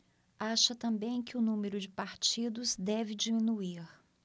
acha também que o número de partidos deve diminuir